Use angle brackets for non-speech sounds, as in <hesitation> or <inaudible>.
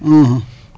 <hesitation> <hesitation>